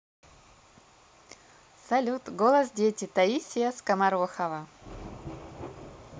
салют голос дети таисия скоморохова